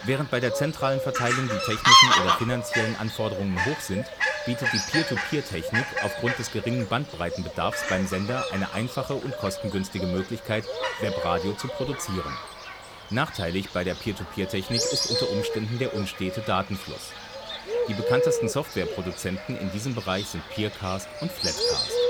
Während bei der zentralen Verteilung die technischen oder finanziellen Anforderungen hoch sind, bietet die P2P-Technik aufgrund des geringen Bandbreitenbedarfs beim Sender eine einfache und kostengünstige Möglichkeit, Webradio zu produzieren. Nachteilig bei der P2P-Technik ist unter Umständen der unstete Datenfluss. Die bekanntesten Softwareproduzenten in diesem Bereich sind Peercast und Flatcast